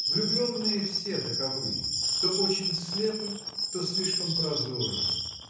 Влюбленные все таковы: то очень слепы, то слишком прозорливы.